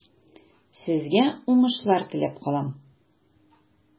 Сезгә уңышлар теләп калам.